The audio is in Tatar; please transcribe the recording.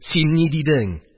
Син ни дидең?